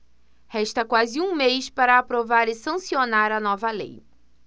resta quase um mês para aprovar e sancionar a nova lei